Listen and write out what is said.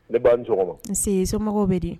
Ne b' n se somɔgɔw bɛ de